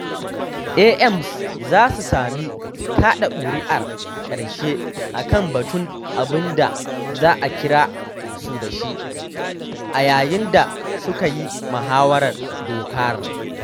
AMs za su sami kaɗa kuri’ar karshe a kan batun abin da za a kira su da shi a yayin da suka yi mahawarar dokar.